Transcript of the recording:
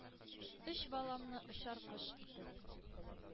Өч баламны, очар кош итеп,